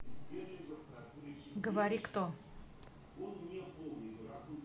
говори кто